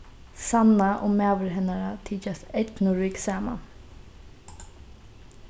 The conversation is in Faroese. sanna og maður hennara tykjast eydnurík saman